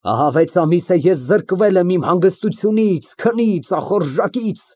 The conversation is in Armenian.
Ահա վեց ամիս է ես զրկվել եմ իմ հանգստությունից, քնից, ախաորժակից։